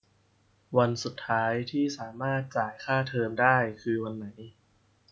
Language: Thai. วันสุดท้ายที่สามารถจ่ายค่าเทอมได้คือวันไหน